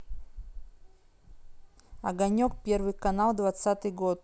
огонек первый канал двадцатый год